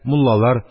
Муллалар,